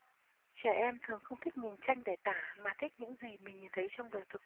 trẻ em thường không thích nhìn tranh để tả mà thích những gì mình thấy trong đời thực